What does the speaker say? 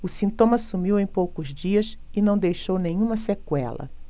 o sintoma sumiu em poucos dias e não deixou nenhuma sequela